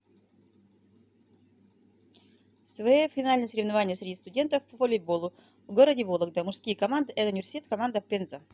swae финальные соревнования среди студентов по волейболу в городе вологда мужские команды это университет команда пенза